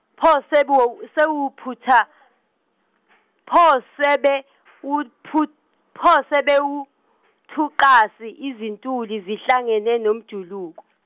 pho sebu- sewephutha- pho sebe- u phu-, pho sebewuthunqasi izintuli zihlangene nomjuluko.